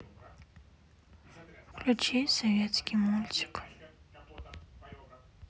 включи советский мультик